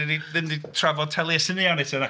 Dan ni ddim 'di trafod Taliesin yn iawn eto na.